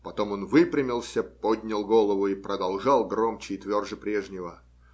Потом он выпрямился, поднял голову и продолжал громче и тверже прежнего